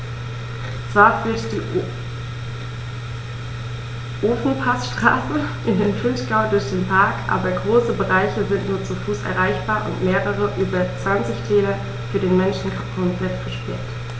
Zwar führt die Ofenpassstraße in den Vinschgau durch den Park, aber große Bereiche sind nur zu Fuß erreichbar und mehrere der über 20 Täler für den Menschen komplett gesperrt.